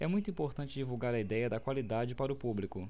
é muito importante divulgar a idéia da qualidade para o público